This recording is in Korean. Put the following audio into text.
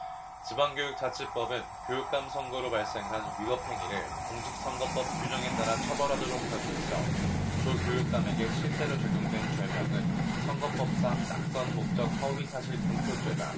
지방교육자치법은 교육감 선거로 발생한 위법행위를 공직선거법 규정에 따라 처벌하도록 하고 있어 조 교육감에게 실제로 적용된 죄명은 선거법상 낙선목적 허위사실공표죄다